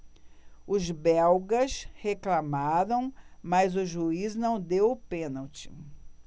os belgas reclamaram mas o juiz não deu o pênalti